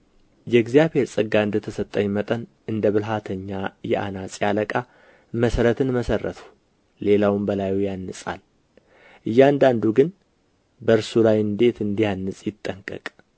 የእግዚአብሔር ጸጋ እንደ ተሰጠኝ መጠን እንደ ብልሃተኛ የአናጺ አለቃ መሠረትን መሠረትሁ ሌላውም በላዩ ያንጻል እያንዳንዱ ግን በእርሱ ላይ እንዴት እንዲያንጽ ይጠንቀቅ